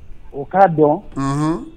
O k'a dɔn